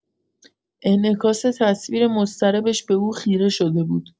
انعکاس تصویر مضطربش به او خیره شده بود.